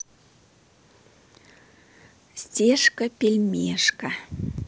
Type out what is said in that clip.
стежка пельмешка